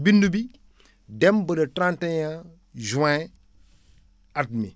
bindu bi dem ba le 31 juin at mi